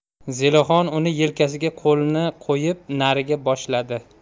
zelixon uni yelkasiga qo'lini qo'yib nariga boshladi